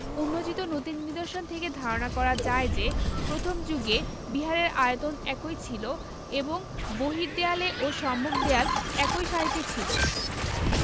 উন্মোচিত নতুন নিদর্শন থেকে ধারণা করা যায় যে প্রথম যুগে বিহারের আয়তন একই ছিল এবং বহির্দেয়ালে ও সম্মুখ দেয়াল একই সারিতে ছিল